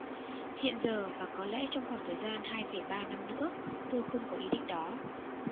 hiện giờ và có lẽ trong khoảng thời gian hai phẩy ba năm nữa tôi không có ý định đó